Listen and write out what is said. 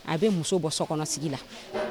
A bɛ muso bɔ sokɔnɔ sigi la